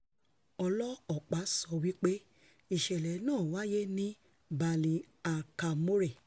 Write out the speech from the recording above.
Olọ́ọ̀pá sowí pé ìṣẹ̀lẹ̀ náà wáyé ni Ballyhackamore.